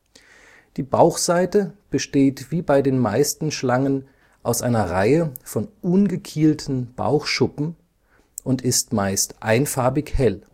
Die Bauchseite besteht wie bei den meisten Schlangen aus einer Reihe von ungekielten Bauchschuppen (Ventralia) und ist meist einfarbig hell